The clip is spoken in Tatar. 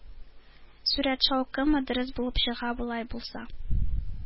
«сурәт шаукымы» дөрес булып чыга болай булса.